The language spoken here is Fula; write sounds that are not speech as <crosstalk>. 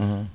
<hesitation> <hesitation>